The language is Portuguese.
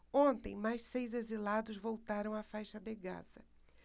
ontem mais seis exilados voltaram à faixa de gaza